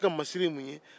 ale ka masiri ye mun ye